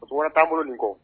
Akura taaboloa bolo nin kɔ